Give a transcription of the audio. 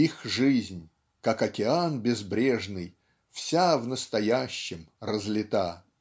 Их жизнь, как океан безбрежный, Вся в настоящем разлита.